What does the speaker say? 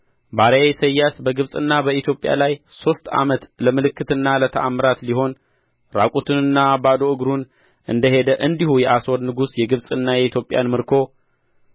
ባሪያዬ ኢሳይያስ በግብጽና በኢትዮጵያ ላይ ሦስት ዓመት ለምልክትና ለተአምራት ሊሆን ራቁቱንና ባዶ እግሩን እንደ ሄደ እንዲሁ የአሦር ንጉሥ የግብጽንና የኢትዮጵያን ምርኮ